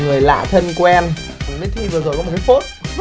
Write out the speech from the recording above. người lạ thân quen mít thy vừa rồi có một cái phốt